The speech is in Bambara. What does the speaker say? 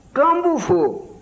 k'an b'u fo